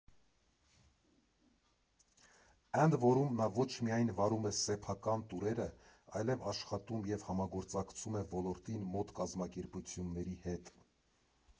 Ընդ որում, նա ոչ միայն վարում է սեփական տուրերը, այլև աշխատում և համագործակցում է ոլորտին մոտ կազմակերպությունների հետ։